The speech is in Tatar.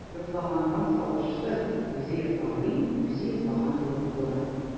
“йоклаганга салышты” – үзе йокламый, үзе йоклаган булып кылана.